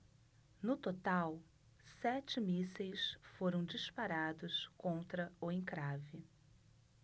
no total sete mísseis foram disparados contra o encrave